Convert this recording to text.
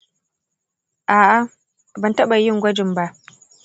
a’a, ban taɓa yin gwajin ba.